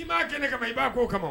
I b'a kɛ kɛnɛ ka i b'a'o kama